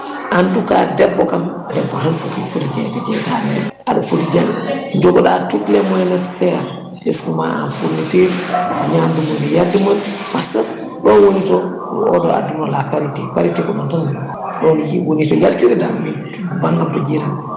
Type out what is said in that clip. en tout cas debbo kam debbo tan foti jeeyde jeytande de aɗa foti jabde jogoɗa toute les moyens nécessaire ɓesguma en fourniture ñamdu mum e hardu mum par ce que ɗo woni to oɗo adduno la parité parité ko noon tan wonata ɓayde yimɓe woni to yaltirde * to banggal jeyugu